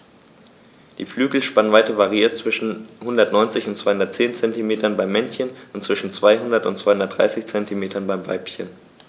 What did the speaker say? Die Flügelspannweite variiert zwischen 190 und 210 cm beim Männchen und zwischen 200 und 230 cm beim Weibchen.